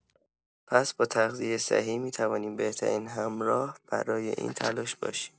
پس با تغذیه صحیح می‌توانیم بهترین همراه برای این تلاش باشیم.